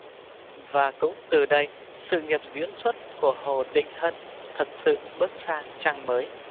và cũng từ đây sự nghiệp diễn xuất của hồ định hân thật sự bước sang trang mới